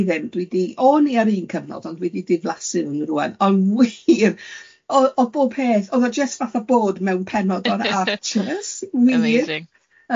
Dwi ddim. Dwi di o'n i ar un cyfnod, ond dwi di diflasu arnyn nw rŵan, ond wir . O- o'dd bob peth, oedd o jest fatha bod mewn pennod o'r Archers, wir.